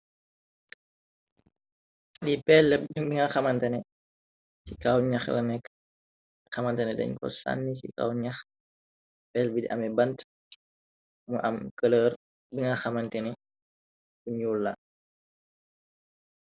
Lii pel binga xamantane ci kaw gñax la nekk xamantane dañ ko sànni ci kaw ñax pel bid ame bante mu am këlër binga xamantene bu ñyulla.